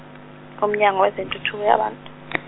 uMnyango wezeNtuthuko yaBantu .